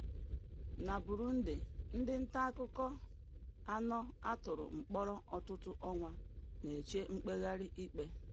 Na Burundi, ndị nta akụkọ anọ a tụrụ mkpọrọ ọtụtụ ọnwa na-eche mkpegharị ikpe